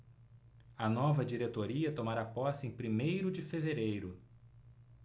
a nova diretoria tomará posse em primeiro de fevereiro